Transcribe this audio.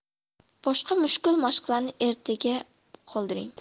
boshqa mushkul mashqlarni ertaga qoldiring